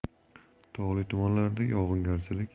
tog'li tumanlarda yog'ingarchilik